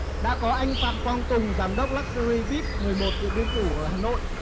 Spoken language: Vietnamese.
đã có anh phạm quang tùng giám đốc lắc xơ ri víp mười một điện biên phủ ở hà nội